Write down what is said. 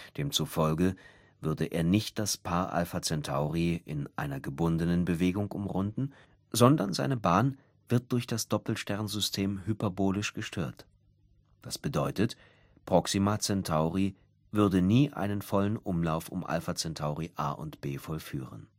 Demzufolge würde er nicht das Paar Alpha Centauri in einer gebundenen Bewegung umrunden, sondern seine Bahn wird durch das Doppelsternsystem hyperbolisch gestört. Das bedeutet, Proxima Centauri würde nie einen vollen Umlauf um Alpha Centauri A und B vollführen